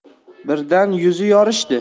birdan yuzi yorishdi